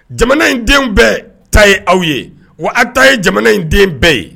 Jamana in denw bɛɛ ta ye aw ye wa a ta ye jamana in den bɛɛ ye